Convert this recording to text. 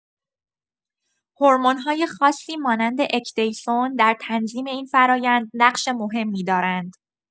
هورمون‌های خاصی مانند اکدیسون در تنظیم این فرآیند نقش مهمی دارند.